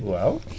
waaw